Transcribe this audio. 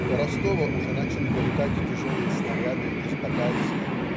До Ростова уже начали долетать тяжелые снаряды из Батайска.